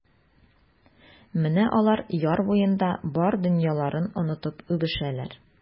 Менә алар яр буенда бар дөньяларын онытып үбешәләр.